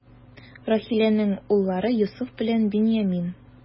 Рахиләнең уллары: Йосыф белән Беньямин.